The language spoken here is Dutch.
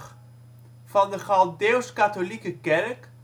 van de Chaldeeuws-katholieke Kerk